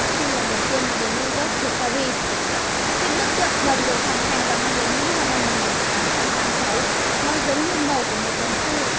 khi lần đầu tiên đến new york từ paris khi bức tượng đồng được hoàn thành và mang đến mỹ vào năm nó giống như màu của một đồng xu